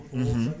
Unhun